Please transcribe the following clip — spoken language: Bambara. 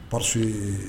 Pa